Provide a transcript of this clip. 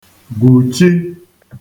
gwùchi